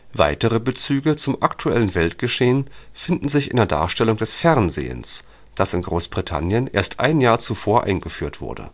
Weitere Bezüge zum aktuellen Weltgeschehen finden sich in der Darstellung des Fernsehens, das in Großbritannien erst ein Jahr zuvor eingeführt wurde